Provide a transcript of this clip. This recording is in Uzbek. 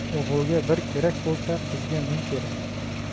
o'g'ilga bir kerak bo'lsa qizga ming kerak